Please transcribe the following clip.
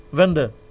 22